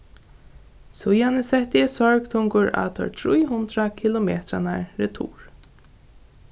síðan setti eg sorgtungur á teir trý hundrað kilometrarnar retur